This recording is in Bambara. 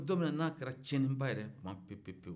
don min na kɛra tiɲɛniba yɛrɛ ye tumamin pewu-pewu